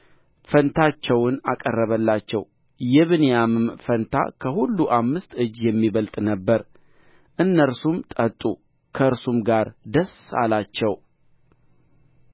ፈንታቸውን አቀረበላቸው የብንያምም ፈንታ ከሁሉ አምስት እጅ የሚበልጥ ነበረ እነርሱም ጠጡ ከእርሱም ጋር ደስ አላቸው